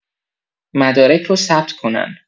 مدارک رو ثبت کنن